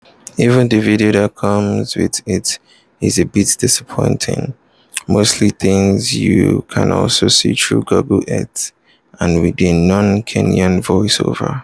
Even the video that comes with it is a bit disappointing: mostly things you can also see through Google Earth, and with a non-Kenyan voice-over.